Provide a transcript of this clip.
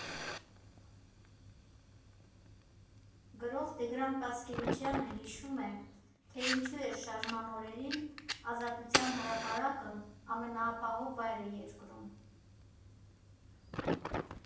Գրող Տիգրան Պասկևիչյանը հիշում է, թե ինչու էր Շարժման օրերին Ազատության հրապարակն ամենաապահով վայրը երկրում։